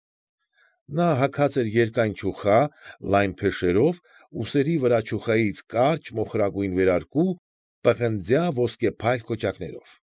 Նա հագած էր երկայն չուխա լայն փեշերով, ուսերի վրա չուխայից կարճ մոխրագույն վերարկու՝ պղնձյա ոսկեփայլ կոճակներով։